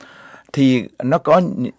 thì nó có những